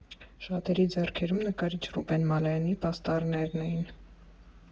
Շատերի ձեռքերում նկարիչ Ռուբեն Մալայանի պաստառներն էին։